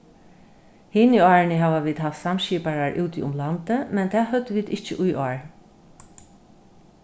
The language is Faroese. hini árini hava vit havt samskiparar úti um landið men tað høvdu vit ikki í ár